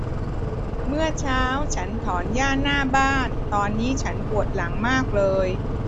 เมื่อเช้าฉันถอนหญ้าหน้าบ้านตอนนี้ฉันปวดหลังมากเลย